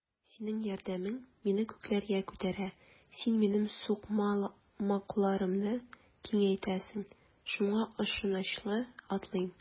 Синең ярдәмең мине күкләргә күтәрә, син минем сукмакларымны киңәйтәсең, шуңа ышанычлы атлыйм.